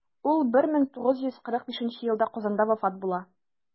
Ул 1945 елда Казанда вафат була.